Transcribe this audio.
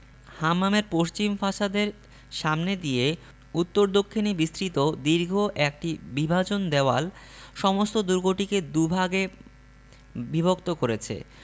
হাম্মামের পশ্চিম ফাসাদের সামনে দিয়ে উত্তর দক্ষিণে বিস্তৃত দীর্ঘ একটি বিভাজন দেওয়াল সমস্ত দুর্গটিকে দুভাগে বিভক্ত করেছে